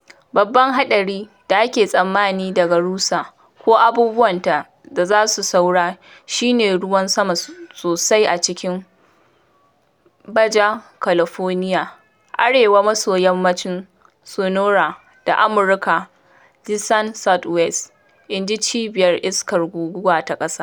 “Babban haɗari da ake tsammani daga Rosa ko abubuwanta da za su saura shi ne ruwan sama sosai a cikin Baja California, arewa-maso-yammacin Sonora, da Amurka Desert Southwest," inji Cibiyar Iskar Guguwa ta Ƙasa.